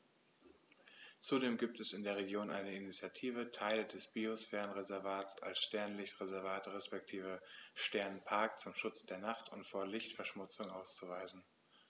Zudem gibt es in der Region eine Initiative, Teile des Biosphärenreservats als Sternenlicht-Reservat respektive Sternenpark zum Schutz der Nacht und vor Lichtverschmutzung auszuweisen.